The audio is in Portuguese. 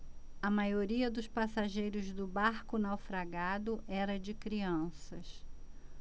a maioria dos passageiros do barco naufragado era de crianças